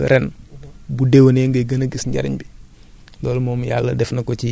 ñeenti at te maasaa allaa foo ko def ren